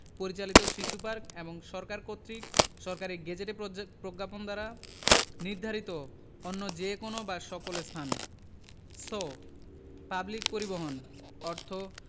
পরিচালিত শিশু পার্ক এবং সরকার কর্তৃক সরকারী গেজেটে প্রজ্ঞাপন দ্বারা নির্ধারিত অন্য যে কোন বা সকল স্থান ছ পাবলিক পরিবহণ অর্থ